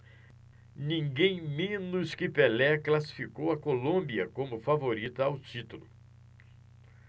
ninguém menos que pelé classificou a colômbia como favorita ao título